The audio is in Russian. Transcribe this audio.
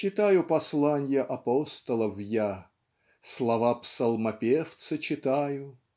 Читаю посланья апостолов я, Слова псалмопевца читаю.